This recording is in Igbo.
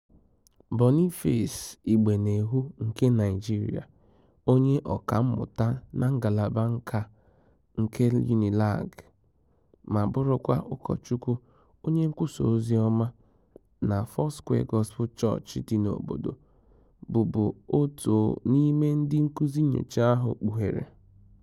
Boniface Igbeneghu nke Naịjirịa, onye ọkammụta na ngalaba nkà nke UNILAG ma bụrụkwa ụkọchukwu onye nkwusa oziọma na Foursquare Gospel Church dị n'obodo, bụbu otu n'ime ndị nkuzị nnyocha ahụ kpughere.